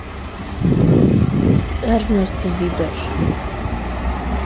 эрнест вибера